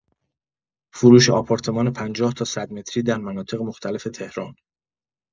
فروش آپارتمان ۵۰ تا ۱۰۰ متری در مناطق مختلف تهران